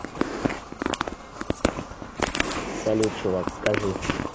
салют чувак скажи